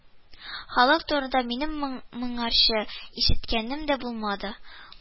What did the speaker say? Халык турында минем мон моңарчы ишеткәнем дә булмады